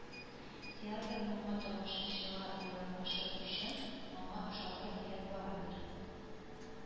Театр моңа тамашачыга яраклашыр өчен, аңа ошарга теләп барадыр